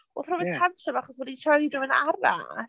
or throw a tantrum achos bod hi'n siarad i rywun arall?